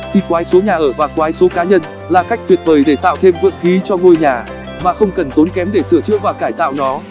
thì quái số nhà ở và quái số cá nhân là cách tuyệt vời để tạo thêm vượng khí cho ngôi nhà mà không cần tốn kém để sửa chữa và cải tạo nó